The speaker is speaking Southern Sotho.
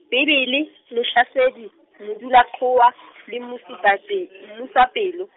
Bebele, Lehlasedi, Modulaqhowa le Mmususapel-, Mmusapelo.